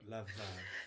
Love that.